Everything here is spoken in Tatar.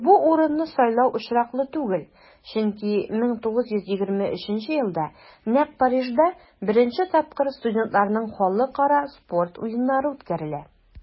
Бу урынны сайлау очраклы түгел, чөнки 1923 елда нәкъ Парижда беренче тапкыр студентларның Халыкара спорт уеннары үткәрелә.